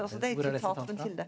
hvor er det sitatet fra?